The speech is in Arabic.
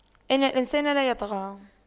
إِنَّ الإِنسَانَ لَيَطغَى